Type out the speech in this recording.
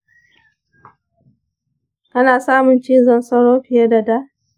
kana samun cizon sauro fiye da da?